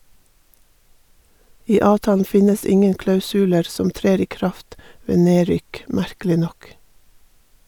I avtalen finnes ingen klausuler som trer i kraft ved nedrykk, merkelig nok.